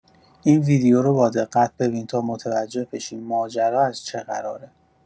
این ویدیو رو با دقت ببین تا متوجه بشی ماجرا از چه قراره